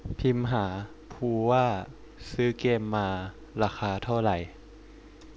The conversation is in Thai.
พิมหาภูว่าซื้อเกมมาราคาเท่าไหร่